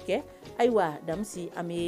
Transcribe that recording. Kɛ ayiwaa Damisi an bee